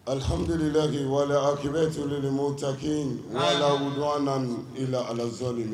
Alihamdulila k' ahi cogo de mɔ take' lad la alazalio